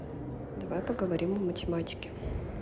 давай поговорим о математике